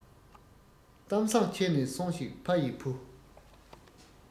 གཏམ བཟང ཁྱེར ནས སོང ཞིག ཕ ཡི བུ